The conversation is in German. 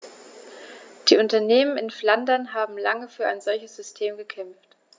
Die Unternehmen in Flandern haben lange für ein solches System gekämpft.